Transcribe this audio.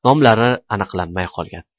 nomlari aniqlanmay qolgan